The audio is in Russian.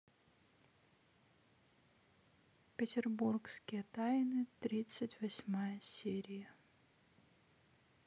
петербургские тайны тридцать восьмая серия